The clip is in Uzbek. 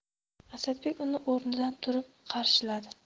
asadbek uni o'rnidan turib qarshiladi